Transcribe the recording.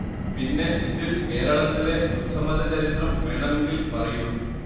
പിന്നെ ഇതിൽ കേരളത്തിലെ ബുദ്ധമത ചരിത്രം വേണമെങ്കിൽ പറയൂ